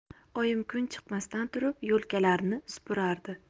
oyim kun chiqmasdan turib yo'lkalarni supurardi